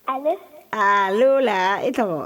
A tuloo la i tɔgɔ